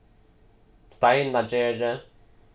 steinagerði